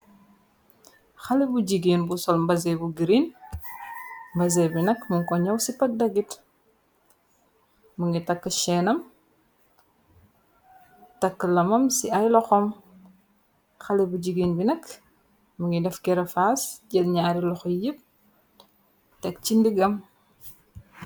Xale bu jigeen bu sol mbasén bu grine mbasé bi nakk mun ko gnaw ci pag dagit mu ngi takk cheenam takk lamam ci ay loxom xale bu jigeen bi nakk mu ngi def gera faas jel naari loxo yépp tek ci ndiggam.